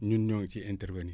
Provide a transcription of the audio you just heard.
ñun ñoo ngi siy intervenir